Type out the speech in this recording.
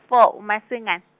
four uMasingan-.